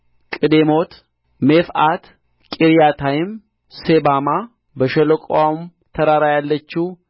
ቅዴሞት ሜፍዓት ቂርያታይም ሴባማ በሸለቆውም ተራራ ያለችው